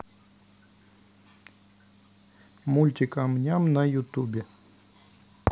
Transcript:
мультик ам ням на ютубе